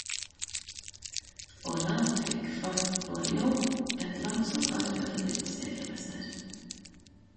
Aulas fikk fart på Lyon, et lag som aldri hadde blitt seriemester.